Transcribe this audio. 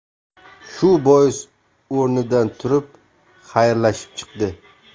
shu bois o'rnidan turib xayrlashib chiqdi